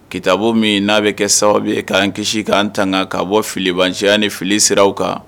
Kiitabo min n'a bɛ kɛ sababu bɛ k'an kisi k kanan tan kan ka bɔ filibanciya ni fili siraw kan